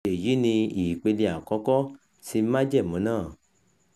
Èyí ni ìpele àkọ́kọ́ ti májẹ̀mú náà.